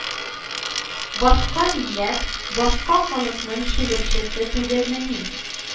Башка милләт, башка халыкның шигырьчесе түгелмени